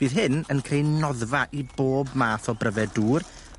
fydd hyn yn creu noddfa i bob math o bryfed dŵr